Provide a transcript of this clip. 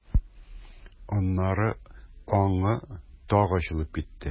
Аннары аңы тагы ачылып китте.